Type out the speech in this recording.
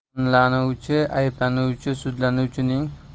gumonlanuvchi ayblanuvchi sudlanuvchining